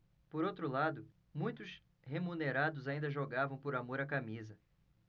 por outro lado muitos remunerados ainda jogavam por amor à camisa